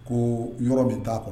Ko yɔrɔ min t'a kɔnɔ